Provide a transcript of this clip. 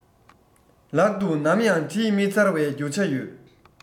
ལག ཏུ ནམ ཡང བྲིས མི ཚར བའི རྒྱུ ཆ ཡོད